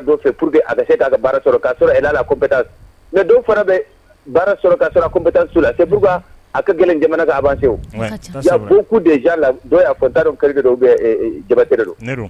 dɔw fɛ a bɛ se baara ka sɔrɔla ko nka don fana bɛ baara sɔrɔ ka ko bɛ sola seuru a ka gɛlɛn jamana' abanse nka fo'u de ja la dɔw y'a fɔ da kɛrɛke jabasɛ don